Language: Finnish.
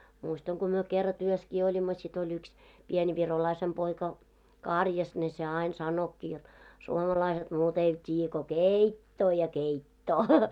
muistan kun me kerran työssäkin olimme sitten oli yksi pieni virolaisen poika karjassa ne se aina sanoikin jotta suomalaiset muuta eivät tiedä kuin keittoa ja keittoa